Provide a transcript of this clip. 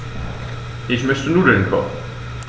Ich möchte Nudeln kochen.